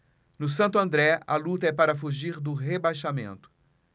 no santo andré a luta é para fugir do rebaixamento